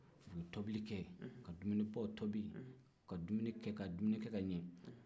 u ye tobilikɛ ka dumini baw tobi ka dumini kɛ ka dumini kɛ ka ɲɛ